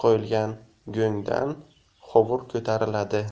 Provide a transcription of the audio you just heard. qo'yilgan go'ngdan hovur ko'tariladi